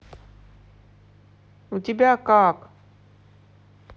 у тебя как